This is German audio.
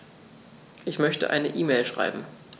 Ich möchte eine E-Mail schreiben.